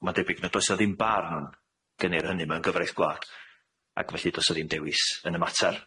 Wel ma'n debyg na does o ddim barn gynnyr hynny mewn gyfraith gwlad ag felly do's o ddim dewis yn y mater.